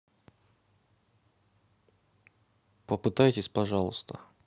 попытайтесь пожалуйста